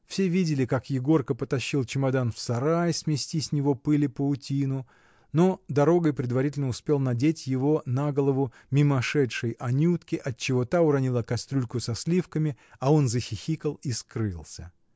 Все видели, как Егорка потащил чемодан в сарай смести с него пыль и паутину, но дорогой предварительно успел надеть его на голову мимошедшей Анютке, отчего та уронила кастрюльку со сливками, а он захихикал и скрылся.